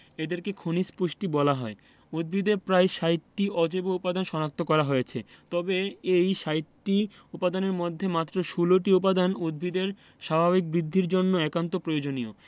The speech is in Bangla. এদেরকে খনিজ পুষ্টি বলা হয় উদ্ভিদে প্রায় ৬০টি অজৈব উপাদান শনাক্ত করা হয়েছে তবে এই ৬০টি উপাদানের মধ্যে মাত্র ১৬টি উপাদান উদ্ভিদের স্বাভাবিক বৃদ্ধির জন্য একান্ত প্রয়োজনীয়